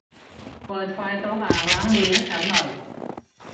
เปิดไฟตรงอ่างล้างมือให้ฉันหน่อย